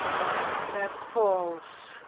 Efo Aber Falls.